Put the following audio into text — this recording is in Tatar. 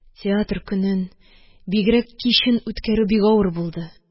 Театр көнен, бигрәк кичен үткәрү бик авыр булды